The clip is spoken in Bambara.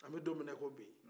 an bɛ don min na i ko bi